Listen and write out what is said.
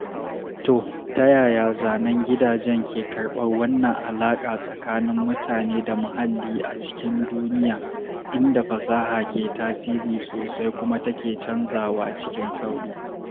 To, ta yaya zanen gidajen ke karɓar wannan alaƙa tsakanin mutane da muhalli a cikin duniya inda fasaha ke tasiri sosai kuma take canzawa cikin sauri?